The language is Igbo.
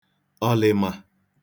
ọ̀lị̀mà